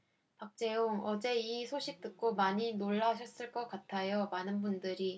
박재홍 어제 이 소식 듣고 많이 놀라셨을 것 같아요 많은 분들이